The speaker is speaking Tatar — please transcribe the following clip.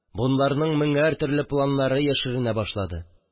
Бунларның меңәр төрле планнары яшеренә башлады